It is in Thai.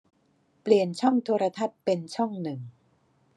เปลี่ยนช่องโทรทัศน์เป็นช่องหนึ่ง